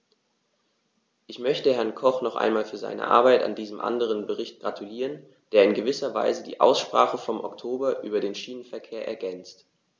Ich möchte Herrn Koch noch einmal für seine Arbeit an diesem anderen Bericht gratulieren, der in gewisser Weise die Aussprache vom Oktober über den Schienenverkehr ergänzt.